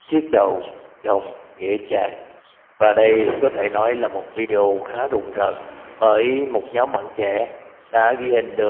chiếc đầu trong nghĩa trang và đây có thể nói là một video khá rùng rợni bởi một nhóm bạn trẻ đã ghi hình được